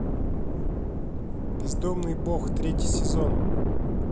бездомный бог третий сезон